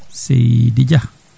seydi Dia